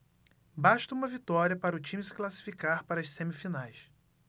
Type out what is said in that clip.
basta uma vitória para o time se classificar para as semifinais